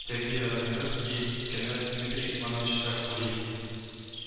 Сергий Радонежский кенәз Дмитрий Ивановичка Кули